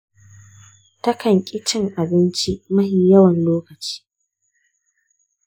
ta kan ƙi cin abinci mafi yawan lokaci.